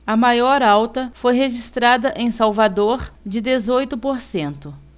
a maior alta foi registrada em salvador de dezoito por cento